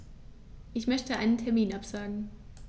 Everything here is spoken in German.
Ich möchte einen Termin absagen.